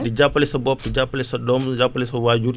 di jàppale sa bopp jàppale sa doom jàppale sa waajur